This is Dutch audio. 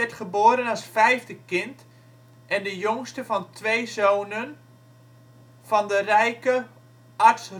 geboren als vijfde kind en de jongste van twee zonen van de rijke arts